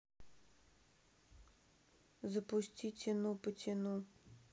запусти тяну потяну